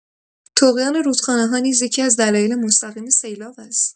طغیان رودخانه‌ها نیز یکی‌از دلایل مستقیم سیلاب است.